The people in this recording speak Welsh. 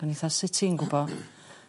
O'n i 'tha sut ti'n gwbo?